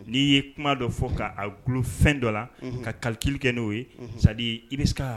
N'i ye kuma dɔ fɔ'a gololofɛn dɔ la ka kalikili kɛ n'o ye zanali i bɛ ka